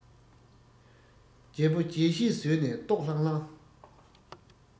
རྒྱལ པོ རྒྱལ གཞིས ཟོས ནས ལྟོགས ལྷང ལྷང